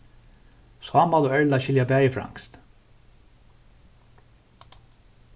sámal og erla skilja bæði franskt